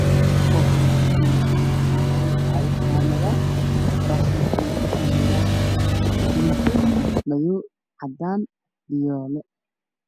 Waa buraashadii lagu shubaayi cavitaanada buraashada midabkeedu waa pink madoow cadaan iyo